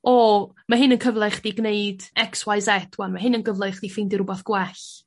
O ma' hyn yn cyfle i chdi gwneud ecs wai zed 'wan ma' hyn yn gyfle i chdi ffeindio rwbath gwell.